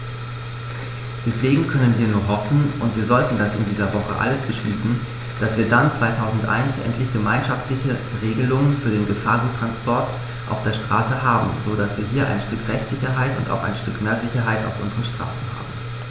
Deswegen können wir nur hoffen - und wir sollten das in dieser Woche alles beschließen -, dass wir dann 2001 endlich gemeinschaftliche Regelungen für den Gefahrguttransport auf der Straße haben, so dass wir hier ein Stück Rechtssicherheit und auch ein Stück mehr Sicherheit auf unseren Straßen haben.